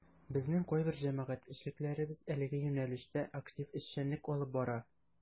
Безнең кайбер җәмәгать эшлеклеләребез әлеге юнәлештә актив эшчәнлек алып бара.